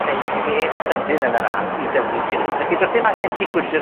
creu gwres sydyn yn yr ardd i dyfu chilis. Felly, do's dim angen tŷ gwydyr